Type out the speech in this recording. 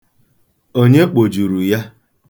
Onye kpojuru ya?